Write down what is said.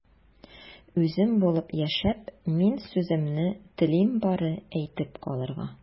Үзем булып яшәп, мин сүземне телим бары әйтеп калырга...